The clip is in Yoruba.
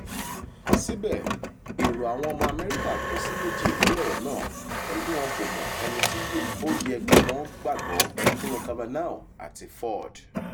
Síbẹ̀, èrò àwọn ọmọ Amẹ́ríkà pín sí méjì lórí ọ̀rọ̀ náà pẹ̀lú bí wọn kò mọ ẹni tí ó yẹ kí wọ́n gbàgbọ́ nínú Kavanaugh àti Ford.